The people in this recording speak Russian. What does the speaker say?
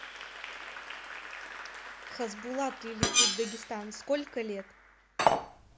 хасбулат лилипут дагестан сколько лет